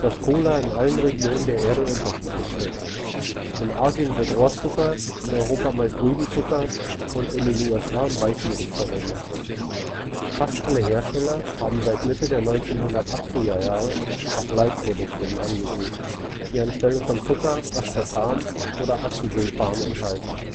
dass Cola in allen Regionen der Erde unterschiedlich schmeckt. In Asien wird Rohrzucker, in Europa meist Rübenzucker und in den USA Maissirup verwendet. Fast alle Hersteller haben seit Mitte der 1980er Jahre auch Light-Produkte im Angebot, die anstelle von Zucker Aspartam und Acesulfam enthalten